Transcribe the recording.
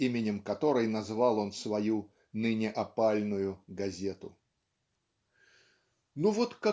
именем которой назвал он свою ныне опальную газету. Ну вот